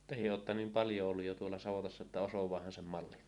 tekin olette niin paljon ollut jo tuolla savotassa että osaahan sen mallin